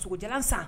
Sogojanlan san